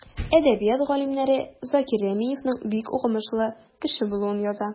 Әдәбият галимнәре Закир Рәмиевнең бик укымышлы кеше булуын яза.